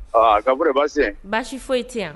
Aa kaɔr baasi baasi foyi ye tiɲɛ yan